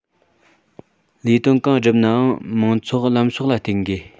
ལས དོན གང བསྒྲུབས ནའང མང ཚོགས ལམ ཕྱོགས ལ བརྟེན དགོས